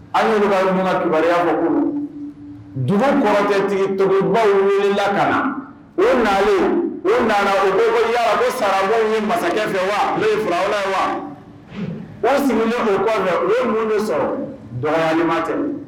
Anbaliruya fɔ kun dugu kɔrɔ tɛ tigi toba wili ka na olen o nana u ko saraw ye masakɛ fɛ wa ye fara ye wa o fɛ u ye mun de sɔrɔya ɲɛ tɛ